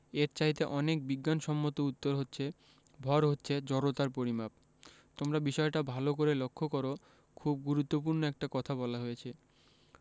এর চাইতে অনেক বিজ্ঞানসম্মত উত্তর হচ্ছে ভর হচ্ছে জড়তার পরিমাপ তোমরা বিষয়টা ভালো করে লক্ষ করো খুব গুরুত্বপূর্ণ একটা কথা বলা হয়েছে